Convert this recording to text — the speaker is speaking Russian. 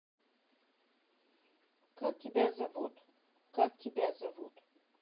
как тебя зовут как тебя зовут